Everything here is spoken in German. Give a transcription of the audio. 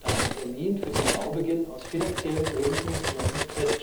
da ein Termin für den Baubeginn aus finanziellen Gründen noch nicht fest